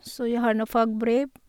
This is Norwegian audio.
Så jeg har nå fagbrev.